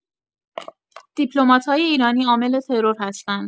دیپلمات‌های ایرانی عامل ترور هستند.